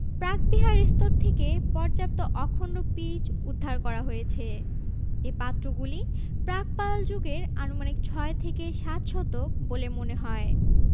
প্রাকবিহার স্তর থেকে পর্যাপ্ত অখন্ড পিরিচ উদ্ধার করা হয়েছে এ পাত্রগুলি প্রাক পাল যুগের আনুমানিক ছয় থেকে সাত শতক বলে মনে হয়